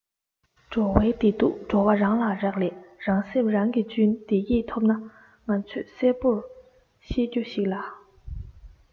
འགྲོ བའི བདེ སྡུག འགྲོ བ རང ལ རག ལས རང སེམས རང གིས གཅུན བདེ སྐྱིད ཐོབ ང ཚོས གསལ བོར ཤེས རྒྱུ ཞིག ལ